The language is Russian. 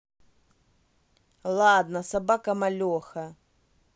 ладно собака малеха